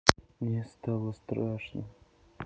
мне стало страшно